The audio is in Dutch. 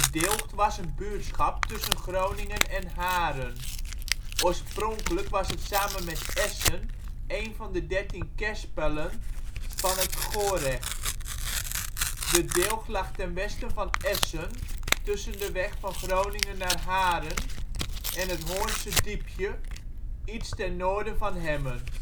Dilgt was een buurtschap tussen Groningen en Haren. Oorspronkelijk was het samen met Essen een van de 13 kerspelen van het Gorecht. De Dilgt lag ten westen van Essen, tussen de weg van Groningen naar Haren en het Hoornse Diepje, iets ten noorden van Hemmen